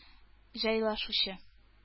Җайлашучы